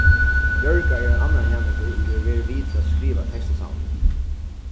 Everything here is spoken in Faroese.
bjørga er ein annar næmingur ið hevur verið við til at skriva tekstasavnið